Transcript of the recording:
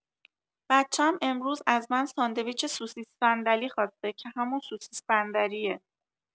بچم امروز از من ساندویچ سوسیس صندلی خواسته که همون سوسیس بندریه